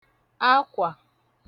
akwà